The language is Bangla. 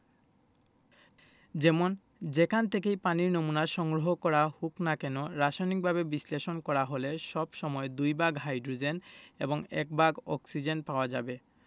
যেমন যেখান থেকেই পানির নমুনা সংগ্রহ করা হোক না কেন রাসায়নিকভাবে বিশ্লেষণ করা হলে সব সময় দুই ভাগ হাইড্রোজেন এবং এক ভাগ অক্সিজেন পাওয়া যাবে